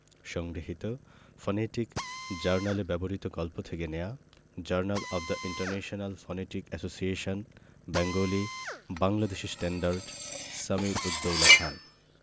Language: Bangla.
সংগৃহীত ফনেটিক জার্নালে ব্যবহিত গল্প থেকে নেওয়া journal of the international phonetic association Bengali Bangladeshi standard Samir ud Daula Khan